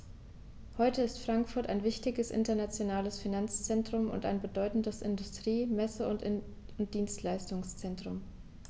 Heute ist Frankfurt ein wichtiges, internationales Finanzzentrum und ein bedeutendes Industrie-, Messe- und Dienstleistungszentrum.